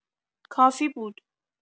کافی بود.